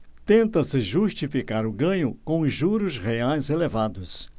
tenta-se justificar o ganho com os juros reais elevados